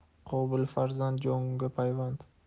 qobil farzand jonga payvand